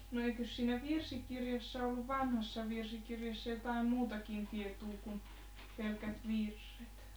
no eikös siinä virsikirjassa ollut vanhassa virsikirjassa jotakin muutakin tietoa kuin pelkät virret